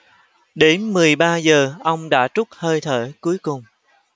đến mười ba giờ ông đã trút hơi thở cuối cùng